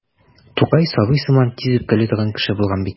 Тукай сабый сыман тиз үпкәли торган кеше булган бит.